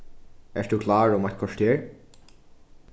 ert tú klár um eitt korter